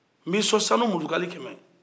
n b'i sɔn sanu mutukale kɛmɛ